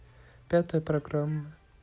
пятая программа